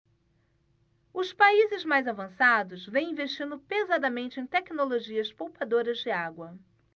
os países mais avançados vêm investindo pesadamente em tecnologias poupadoras de água